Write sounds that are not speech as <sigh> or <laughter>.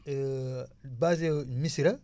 <hesitation> basé missirah